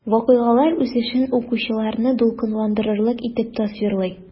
Вакыйгалар үсешен укучыларны дулкынландырырлык итеп тасвирлый.